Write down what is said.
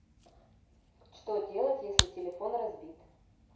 что делать если телефон разбит